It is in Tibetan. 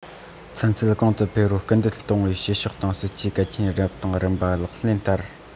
ཚན རྩལ གོང དུ འཕེལ བར སྐུལ འདེད གཏོང བའི བྱེད ཕྱོགས དང སྲིད ཇུས གལ ཆེན རབ དང རིམ པ ལག ལེན བསྟར